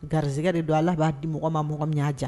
Garijɛgɛ de don ala b'a di mɔgɔ ma mɔgɔ min y'a jan